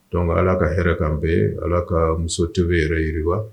Donc Ala ka hɛrɛ k'an bɛɛ ye Ala kaa Muso TV yɛrɛ yiriwa